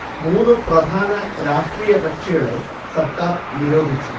മൂന്നു പ്രധാന രാഷ്ട്രീയ കക്ഷികളെ സർക്കാർ നിരോധിച്ചു